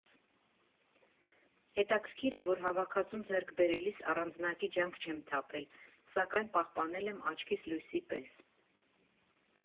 Հետաքրքրիր է, որ հավաքածուն ձեռք բերելիս առանձնակի ջանք չեմ թափել, սակայն պահպանել եմ աչքիս լույսի պես։